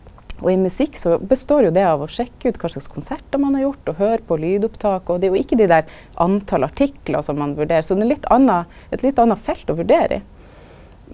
og i musikk så består jo det av å sjekka ut kva slags konsertar ein har gjort og høyra på lydopptak, og det er jo ikkje dei der talet på artiklar som ein vurderer så det er litt anna eit litt anna felt å vurdera i.